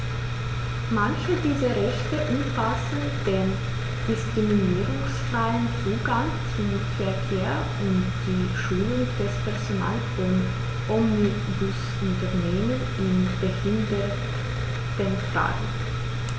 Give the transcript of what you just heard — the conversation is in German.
Manche dieser Rechte umfassen den diskriminierungsfreien Zugang zum Verkehr und die Schulung des Personals von Omnibusunternehmen in Behindertenfragen.